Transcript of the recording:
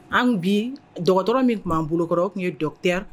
An bi dɔgɔtɔrɔ min tun ban bolokɔrɔ tun ye